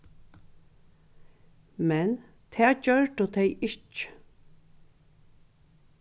men tað gjørdu tey ikki